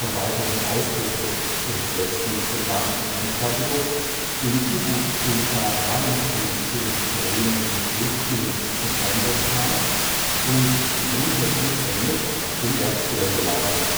weiteren Ausrüstung und letztlich geplanten Endfertigung im U-Boot-Bunker Valentin in Bremen-Rekum zum Einsatz kamen und die nun seit Kriegsende auf dem Werksgelände lagerten